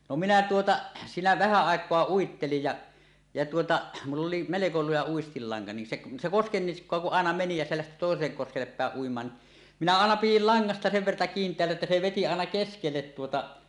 no minä tuota siinä vähän aikaa uittelin ja ja tuota minulla oli melko luja uistinlanka niin se se koskenniskaa kun aina meni ja se lähti toiselle koskelle päin uimaan niin minä aina pidin langasta sen verta kiinteällä että se veti aina keskelle tuota